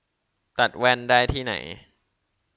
ตัดแว่นได้ที่ไหน